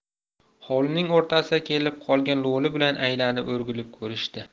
hovlining o'rtasiga kelib qolgan lo'li bilan aylanib o'rgilib ko'rishdi